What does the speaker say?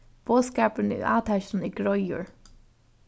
boðskapurin í átakinum er greiður